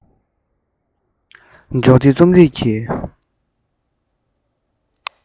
འཇོག སྟེ རྩོམ རིག གི